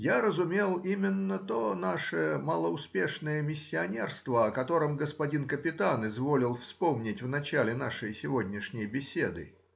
Я разумел именно то наше малоуспешное миссионерство, о котором господин капитан изволил вспомнить в начале нашей сегодняшней беседы.